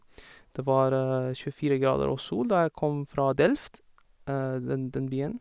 Det var tjuefire grader og sol da jeg kom fra Delft, den den byen.